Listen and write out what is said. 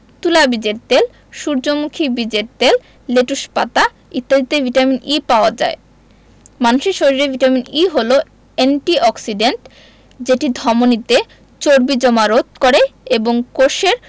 তুলা বীজের তেল সূর্যমুখী বীজের তেল লেটুস পাতা ইত্যাদিতে ভিটামিন E পাওয়া যায় মানুষের শরীরে ভিটামিন E হলো এন্টি অক্সিডেন্ট যেটি ধমনিতে চর্বি জমা রোধ করে এবং কোষের